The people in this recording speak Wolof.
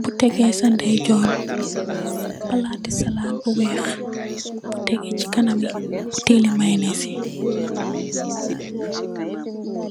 bu tehgeh sa ndeyjorr, plati salad bu wekh bu tehgeh chi kanami butehli maynaise yii.